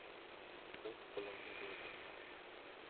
bet qo'limni yuvdim